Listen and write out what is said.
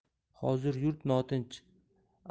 hozir yurt notinch